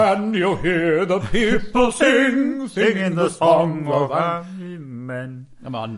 Can you hear the people sing, singing the song of ang- men? C'mon.